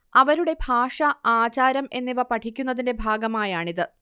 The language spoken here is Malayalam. അവരുടെ ഭാഷ, ആചാരം എന്നിവ പഠിക്കുന്നതിന്റെ ഭാഗമായാണിത്